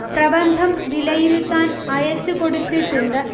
പ്രബന്ധം വിലയിരുത്താൻ അയച്ചു കൊടുത്തിട്ടുണ്ട്